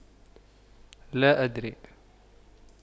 لا أدري